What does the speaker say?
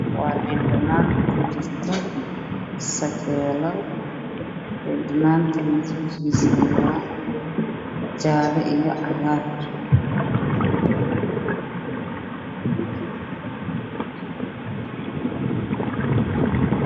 Waa weel oronki ah waxaa ku jiraan jaale iyo cagaar midabkeedu yahay